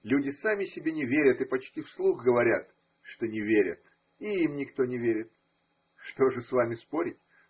Люди сами себе не верят и почти вслух говорят, что не верят, и им никто не верит. Что же с вами спорить?